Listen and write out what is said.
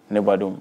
Ne b'a dɔn